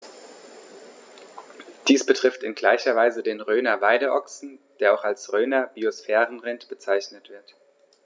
Dies betrifft in gleicher Weise den Rhöner Weideochsen, der auch als Rhöner Biosphärenrind bezeichnet wird.